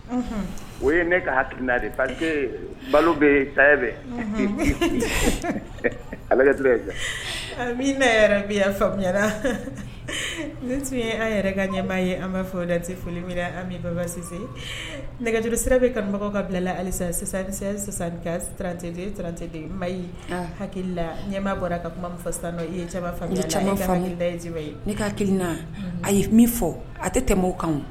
O ye ne ka hakiliina pa balo bɛ ta min ne yɛrɛya fala ne tun ye an yɛrɛ ka ɲɛmaa ye an b'a fɔ la foli an babase nɛgɛre sira bɛ karamɔgɔbagaw ka bilala alisa sisan-tɛtɛ ba hakilila ɲɛma bɔra ka kumafa sa i yela ye ye neki na a ye min fɔ a tɛ tɛmɛ mɔgɔw kan